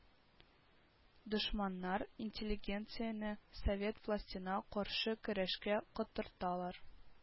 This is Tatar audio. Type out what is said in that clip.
Дошманнар интеллигенцияне совет властена каршы көрәшкә котырталар